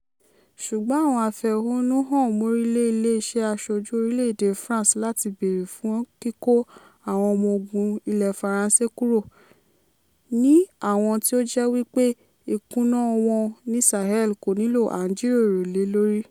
Ṣùgbọ́n àwọn afẹ̀hónú hàn mórí lé Ilé Iṣẹ́ Aṣojú orílẹ̀-èdè France láti bèèrè fún kíkó àwọn ọmọ ogún ilẹ̀ Faransé kúrò ní àwọn tí ó jẹ́ wípé ìkùná wọn ní Sahel kò nílò àńjíròrò lé lórí.